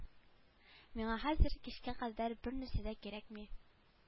Миңа хәзер кичкә кадәр бернәрсә дә кирәкми